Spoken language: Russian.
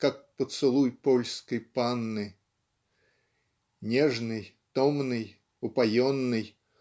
"как поцелуи польской панны". Нежный томный упоенный